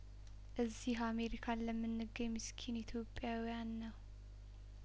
እዚህ አሜሪካን ለምንገኝ ምስኪን ኢትዮጵያውያን ነው